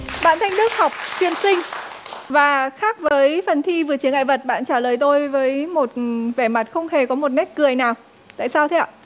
bạn thanh đức học chuyên sinh và khác với phần thi vượt chướng ngại vật bạn trả lời tôi với một vẻ mặt không hề có một nét cười nào tại sao thế ạ